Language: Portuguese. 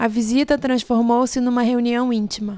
a visita transformou se numa reunião íntima